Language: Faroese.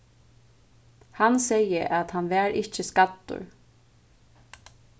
hann segði at hann var ikki skaddur